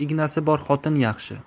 ignasi bor xotin yaxshi